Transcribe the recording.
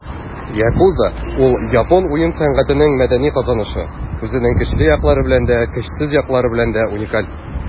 Yakuza - ул япон уен сәнәгатенең мәдәни казанышы, үзенең көчле яклары белән дә, көчсез яклары белән дә уникаль.